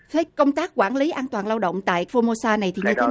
thế công tác quản lý an toàn lao động tại phô mô sa này thì như